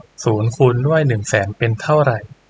ศูนย์คูณด้วยหนึ่งแสนเป็นเท่าไหร่